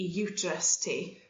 i uterus tI